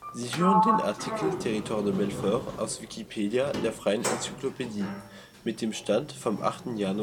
Sie hören den Artikel Territoire de Belfort, aus Wikipedia, der freien Enzyklopädie. Mit dem Stand vom Der